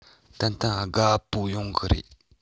ཏན ཏན དགའ པོ ཡོང གི རེད